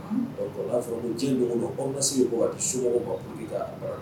N'a fɔla diɲɛn don o don ordonnance bɛ di a somɔgɔw u bɛ taa